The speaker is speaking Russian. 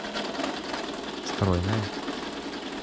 стройная